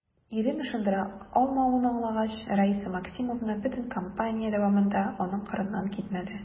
Ирен ышандыра алмавын аңлагач, Раиса Максимовна бөтен кампания дәвамында аның кырыннан китмәде.